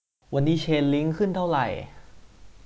วันนี้เชนลิ้งขึ้นเท่าไหร่